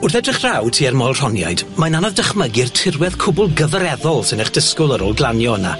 Wrth edrych draw tua'r Moel-Rhoniaid, mae'n anodd dychmygu'r tirwedd cwbwl gyfreddol sy'n eich disgwl ar ôl glanio yna.